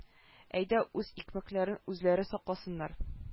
Әйдә үз икмәкләрен үзләре сакласыннар